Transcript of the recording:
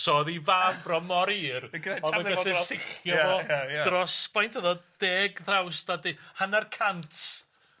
So o'dd 'i farf ro mor 'ir lluchio fo dros faint o'dd o deg thrawst a de- hanner cant.